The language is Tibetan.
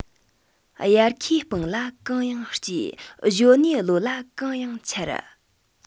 དབྱར ཁའི སྤང ལ གང ཡང སྐྱེ གཞོན ནུའི བློ ལ གང ཡང འཆར